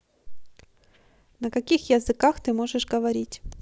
на каких языках ты можешь говорить